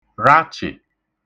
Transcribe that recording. rachị̀